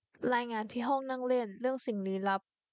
รายงานที่ห้องนั่งเล่นเรื่องสิ่งลี้ลับ